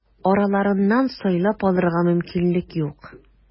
Араларыннан сайлап алырга мөмкинлек юк.